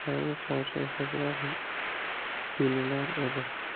ko'proq yulinar edi